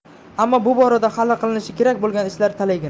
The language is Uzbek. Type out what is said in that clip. ammo'bu borada hali qilinishi kerak bo'lgan ishlar talaygina